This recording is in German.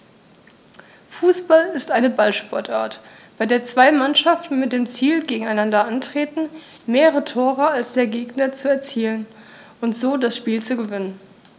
Fußball ist eine Ballsportart, bei der zwei Mannschaften mit dem Ziel gegeneinander antreten, mehr Tore als der Gegner zu erzielen und so das Spiel zu gewinnen.